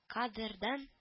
Кадердан